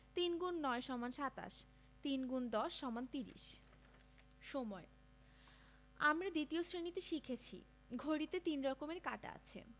৩ X ৯ = ২৭ ৩ ×১০ = ৩০ সময়ঃ আমরা ২য় শ্রেণিতে শিখেছি ঘড়িতে ৩ রকমের কাঁটা আছে